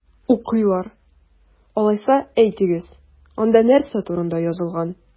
Укыйлар! Алайса, әйтегез, анда нәрсә турында язылган?